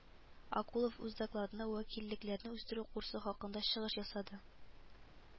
Акулов үз докладында вәкиллекләрне үстерү курсы хакында чыгыш ясады